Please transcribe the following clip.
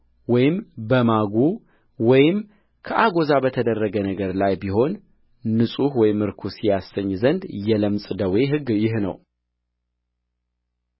ወይም በማጉ ወይም ከአጐዛ በተደረገ ነገር ላይ ቢሆን ንጹሕ ወይም ርኩስ ያሰኝ ዘንድ የለምጽ ደዌ ሕግ ይህ ነው